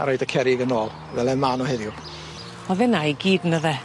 a roid y cerrig yn ôl fel 'e ma' nw heddiw. O'dd e 'na gyd on'd o'dd e?